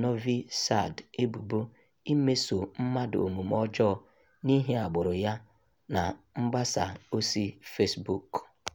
Novi Sad ebubo imeso mmadụ omume ọjọọ n'ihi agbụrụ ya na mgbasa ozi Facebook.